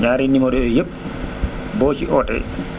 ñaari numéro yooyu yëpp boo ci oote